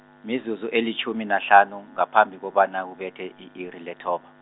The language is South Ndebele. mizuzu elitjhumi nahlanu, ngaphambi kobana kubethe i-iri lethoba.